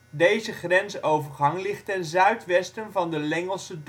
Deze grensovergang ligt ten zuidwesten van de Lengelse